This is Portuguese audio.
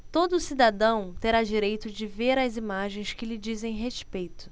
todo cidadão terá direito de ver as imagens que lhe dizem respeito